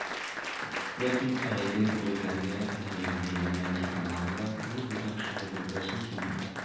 Ләкин әлеге бүләкләргә әһәмият бирүемне ни Кәмранга, ни бүтән кешегә белдерәсем килми иде.